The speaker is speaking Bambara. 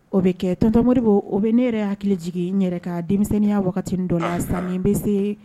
O be kɛ tonton Modibo o be ne yɛrɛ hakili jigin n yɛrɛ ka denmisɛnninya wagati dɔ la sanni n be se